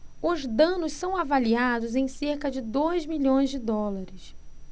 os danos são avaliados em cerca de dois milhões de dólares